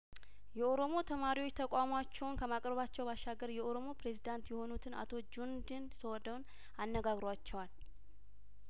የኦሮሞ ተማሪዎች ተቋማቸውን ከማቅረባቸው ባሻገር የኦሮሞ ፕሬዚዳንት የሆኑትን አቶ ጁነዲን ሶዶን አነጋግሯቸዋል